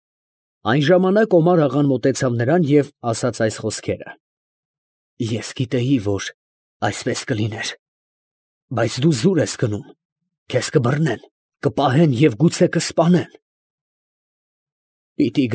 Այն ժամանակ Օմար֊աղան մոտեցավ նրան, և ասաց այս խոսքերը. ֊ Ես գիտեի, որ այսպես կլիներ… բայց դու զուր ես գնում, քեզ կբռնեն, կպահեն և գուցե կսպանեն…։ ֊ Պիտի։